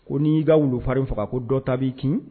Ko n'i y'i ka wulufarin faga ko dɔ ta b'i kin